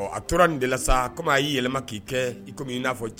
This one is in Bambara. A tora nin dala sa kɔmi y'i yɛlɛma k'i kɛ i komi i n'a fɔ cɛ